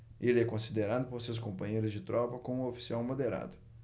ele é considerado por seus companheiros de tropa como um oficial moderado